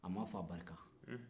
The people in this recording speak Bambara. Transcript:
a ma fɔ a barika